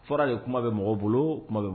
Fɔra de kuma bɛ mɔgɔw bolo kuma bɛ mɔ